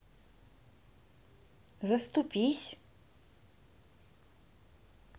заступись